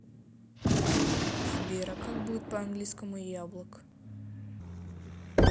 сбер а как будет по английскому яблок